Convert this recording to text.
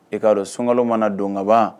I kaa dɔn sunkalo mana don kaban